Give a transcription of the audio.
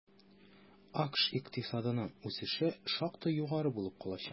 АКШ икътисадының үсеше шактый югары булып калачак.